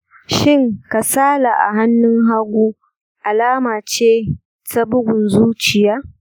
shin kasala a hannun hagu alama ce ta bugun zuciya?